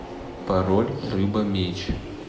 пароль рыба меч